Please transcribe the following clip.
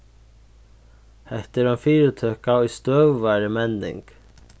hetta er ein fyritøka í støðugari menning